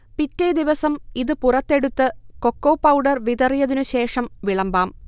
പിറ്റേദിവസം ഇത് പുറത്തെടുത്ത് കൊക്കോ പൗഡർ വിതറിയതിനു ശേഷം വിളമ്പാം